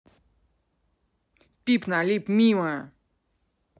пип налип мимо